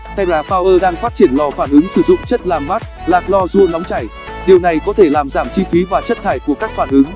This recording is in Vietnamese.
terrapower đang phát triển lò phản ứng sử dụng chất làm mát là clorua nóng chảy điều này có thể làm giảm chi phí và chất thải của các phản ứng